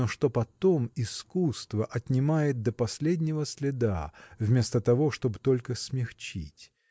но что потом искусство отнимает до последнего следа вместо того чтобы только смягчить.